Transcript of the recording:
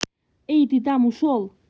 эй ты там ушел